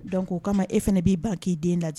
Dɔnku ko k'a e fana b'i ban k'i den da ten